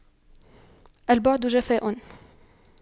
البعد جفاء